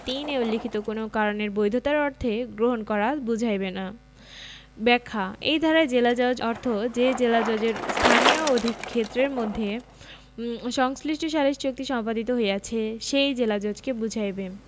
৩ এ উল্লেখিত কোন কারণের বৈধতার অর্থে গ্রহণ করা বুঝাইবে না ব্যাখ্যা এই ধারায় জেলাজজ অর্থ যে জেলাজজের স্থানীয় অধিক্ষেত্রের মধ্যে সংশ্লিষ্ট সালিস চুক্তি সম্পাদিত হইয়াছে সেই জেলাজজকে বুঝাইবে